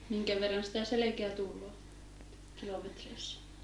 minkä verran sitä selkää tulee kilometreissä